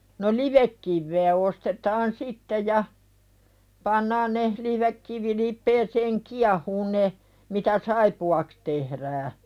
no livekiveä ostetaan sitten ja pannaan ne livekivilipeään kiehumaan ne mitä saippuaksi tehdään